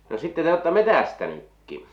no sitten te olette metsästänytkin